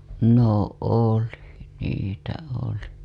no oli niitä oli